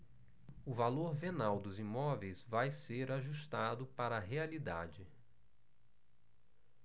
o valor venal dos imóveis vai ser ajustado para a realidade